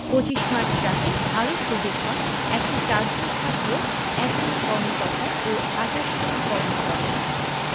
২৫ March রাতে আরো শহীদ হন ১০৪ জন ছাত্র ১ জন কর্মকর্তা ও ২৮ জন কর্মচারী